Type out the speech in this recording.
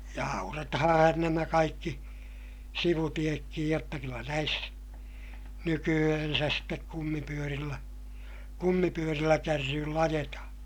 ja aurataan nämä kaikki sivutietkin jotta kyllä näissä nykyään sitten kumipyörillä kumipyörillä kärryillä ajetaan